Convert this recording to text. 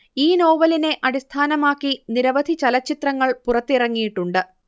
ഈ നോവലിനെ അടിസ്ഥാനമാക്കി നിരവധി ചലച്ചിത്രങ്ങൾ പുറത്തിറങ്ങിയിട്ടുണ്ട്